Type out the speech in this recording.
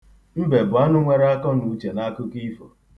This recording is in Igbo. Mbe bụ anụ nwere akọnụche n'akụkọ ifo.